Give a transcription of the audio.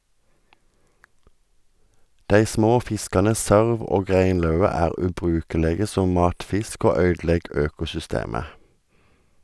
Dei små fiskane sørv og regnlaue er ubrukelege som matfisk og øydelegg økosystemet.